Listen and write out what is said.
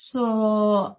So